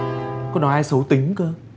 cô nói ai xấu tính cơ